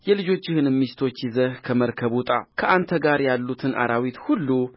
የልጆችህንም ሚስቶች ይዘህ ከመርከብ ውጣ ከአንተ ጋር ያሉትን አራዊት ሁሉ